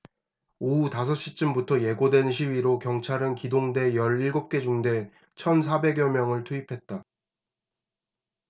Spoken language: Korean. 오후 다섯 시쯤부터 예고된 시위로 경찰은 기동대 열 일곱 개 중대 천 사백 여 명을 투입했다